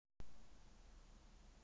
цыганская свадьба город оренбург вася и люба